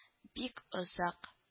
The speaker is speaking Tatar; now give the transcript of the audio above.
Бик озак